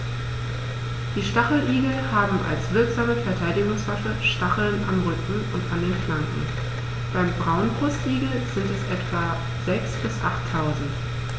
Die Stacheligel haben als wirksame Verteidigungswaffe Stacheln am Rücken und an den Flanken (beim Braunbrustigel sind es etwa sechs- bis achttausend).